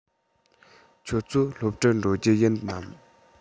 ཁྱོད ཚོ སློབ གྲྭར འགྲོ རྒྱུ ཡིན ནམ